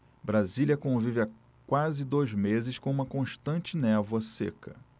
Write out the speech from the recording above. brasília convive há quase dois meses com uma constante névoa seca